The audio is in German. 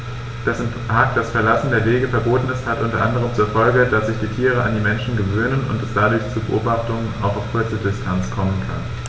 Dass im Park das Verlassen der Wege verboten ist, hat unter anderem zur Folge, dass sich die Tiere an die Menschen gewöhnen und es dadurch zu Beobachtungen auch auf kurze Distanz kommen kann.